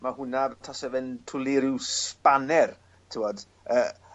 ma' hwnna'r tase fe'n twli ryw sbaner t'wod yy